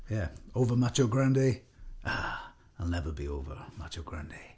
Ie... "Over Macho Grande. Ah, I'll never be over Macho Grande."